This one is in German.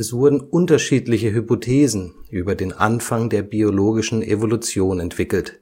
wurden unterschiedliche Hypothesen über den Anfang der biologischen Evolution entwickelt